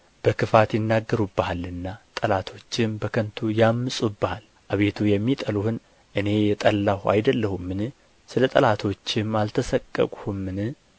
በክፋት ይናገሩብሃልና ጠላቶችህም በከንቱ ያምፁብሃል አቤቱ የሚጠሉህን እኔ የጠላሁ አይደለሁምን ስለ ጠላቶችህም አልተሰቀቅሁምን